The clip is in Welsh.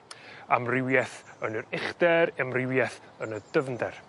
Amrywieth yn yr uchder emrywieth yn y dyfnder.